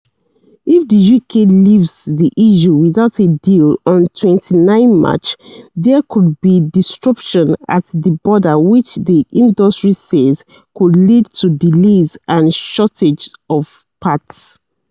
If the UK leaves the EU without a deal on 29 March, there could be disruption at the border which the industry says could lead to delays and shortages of parts.